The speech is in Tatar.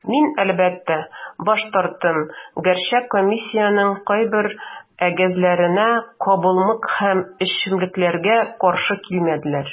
Мин, әлбәттә, баш тарттым, гәрчә комиссиянең кайбер әгъзаләре кабымлык һәм эчемлекләргә каршы килмәделәр.